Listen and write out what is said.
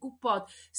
gw'bod